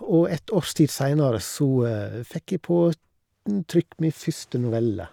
Og ett års tid seinere så fikk jeg på dn trykk mi første novelle.